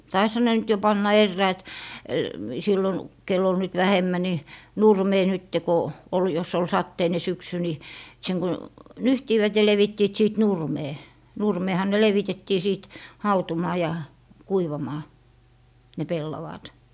taisihan ne nyt jo panna eräät silloin kenellä oli nyt vähemmän niin nurmeen nyt kun oli jos oli sateinen syksy niin sen kun nyhtivät ja levittivät sitten nurmeen nurmeenhan ne levitettiin sitten hautumaan ja kuivamaan ne pellavaat